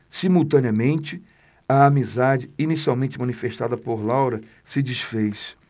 simultaneamente a amizade inicialmente manifestada por laura se disfez